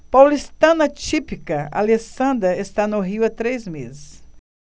paulistana típica alessandra está no rio há três meses